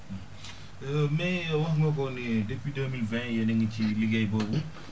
mais wax nga ko ne depuis deux mille vingt yéen a ngi ci liggéey boobu